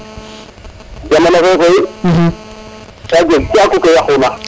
jamano fe koy ka jeg caku ka yaquna